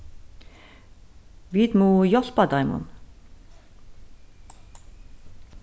vit mugu hjálpa teimum